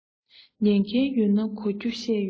ཉན མཁན ཡོད ན གོ རྒྱུ བཤད ཡོད དོ